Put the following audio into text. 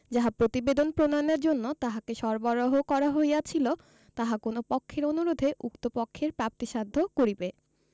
যাহা প্রতিবেদন প্রণয়নের জন্য তাহাকে সরবরাহ করা হইয়াছিল তাহা কোন পক্ষের অনুরোধে উক্ত পক্ষের প্রাপ্তিসাধ্য করিবে